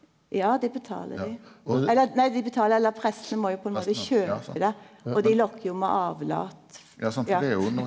ja dei betaler dei eller nei dei betaler eller prestane må jo på ein måte kjøpe det og dei lokkar jo med avlat ja .